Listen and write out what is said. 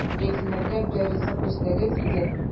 Ятимнәргә берәр ризык бирсәгез иде! ..